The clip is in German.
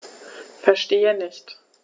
Verstehe nicht.